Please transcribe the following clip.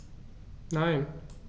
Nein.